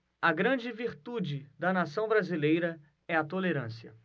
a grande virtude da nação brasileira é a tolerância